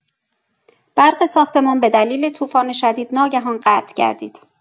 برق ساختمان به دلیل طوفان شدید ناگهان قظع گردید.